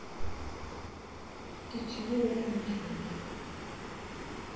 ты чего умничаешь